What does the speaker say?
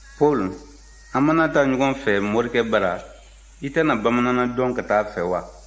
paul an mana taa ɲɔgɔn fɛ morikɛ bara i tɛna bamanana dɔn ka taa a fɛ wa